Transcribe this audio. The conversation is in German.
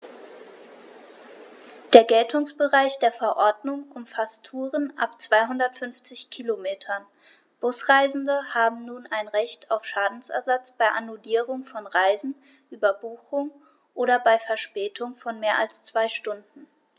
Der Geltungsbereich der Verordnung umfasst Touren ab 250 Kilometern, Busreisende haben nun ein Recht auf Schadensersatz bei Annullierung von Reisen, Überbuchung oder bei Verspätung von mehr als zwei Stunden.